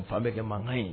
Fan bɛ kɛ mankan ye